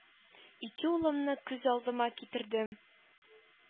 Ике улымны күз алдыма китердем,